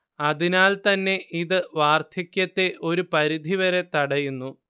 അതിനാൽ തന്നെ ഇത് വാർധക്യത്തെ ഒരു പരിധിവരെ തടയുന്നു